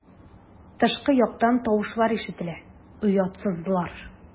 Тышкы яктан тавышлар ишетелә: "Оятсызлар!"